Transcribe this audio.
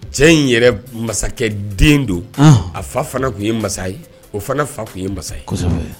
Cɛ in yɛrɛ masakɛ den don a fa fana tun ye masa ye o fana fa tun ye masa ye